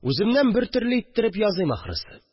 Үземнән бертөрле иттереп языйм, ахрысы